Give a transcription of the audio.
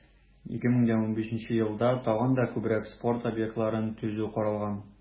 2015 елда тагын да күбрәк спорт объектларын төзү каралган.